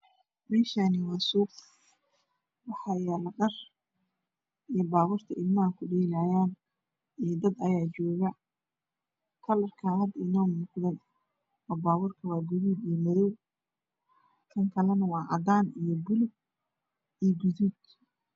Meshani waa suq waxaa yala dhar iyo baburta caruurta ku ciyaran dad badan ayaa jooga babaurta kalar kodu waa gaduud iyo cadan